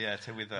Ia tywydd da.